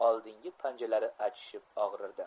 oldingi panjalari achishib og'rirdi